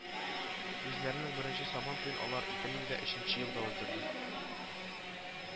Үзләренең беренче Сабан туен алар ике мең дә өченче елда уздырды